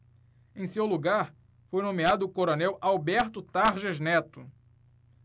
em seu lugar foi nomeado o coronel alberto tarjas neto